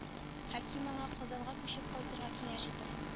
Хәким аңа казанга күчеп кайтырга киңәш итә